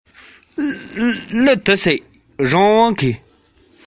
འོ མ ལྡུད རྒྱུ རྗེད ཀྱིན འདུག